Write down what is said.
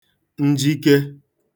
njike